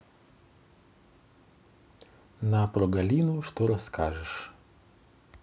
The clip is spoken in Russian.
на про галину что расскажешь